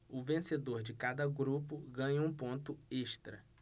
o vencedor de cada grupo ganha um ponto extra